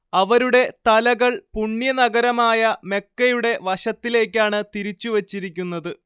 അവരുടെ തലകൾ പുണ്യ നഗരമായ മെക്കയുടെ വശത്തിലേക്കാണ് തിരിച്ചു വച്ചിരിക്കുന്നത്